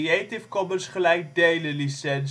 017 ' NB, 6°